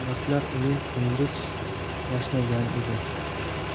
vaqtlar uning qunduz yashnagan edi